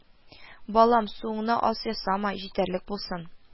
– балам, суыңны аз ясама, җитәрлек булсын